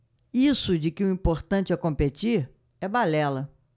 isso de que o importante é competir é balela